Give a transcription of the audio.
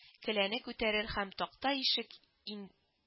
Келәне күтәрер һәм такта ишек ин